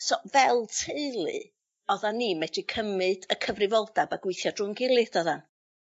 So fel teulu oddan ni'n medru cymryd y cyfrifoldab a gweithio drw'n gilydd do'ddan?